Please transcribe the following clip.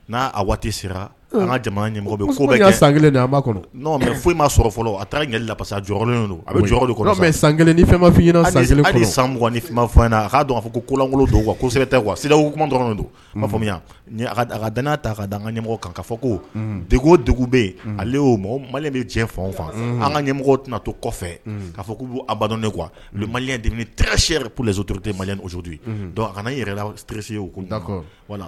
N'a a waati an ɲɛmɔgɔ mɛ foyi sɔrɔ fɔlɔ a taaralasa san kelen ni fɛnmafin san sanfin a'a dona fɔ kolankolon don kosɛbɛ dɔrɔn don fɔ a ka dan ta ka ka ɲɛmɔgɔ kan ko de dugu bɛ yen ale'o mali bɛ fa faga an ka ɲɛmɔgɔ tɛna to kɔfɛ k adɔn maliini se yɛrɛ plɛzourute mali a kana ne yɛrɛsi ye